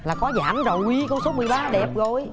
là có giảm rồi con số mười ba đẹp rồi